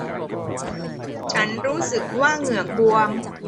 ฉันรู้สึกว่าเหงือกบวม